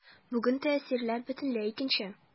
Бүген тәэсирләр бөтенләй икенче.